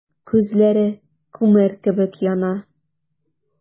Күзләре күмер кебек яна.